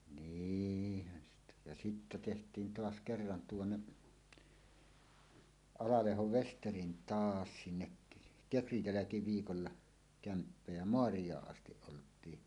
niinhän sitä ja sitten tehtiin taas kerran tuonne Alalehdon Vesterin taa sinne kekrin jälkiviikolla kämppä ja maariaan asti oltiin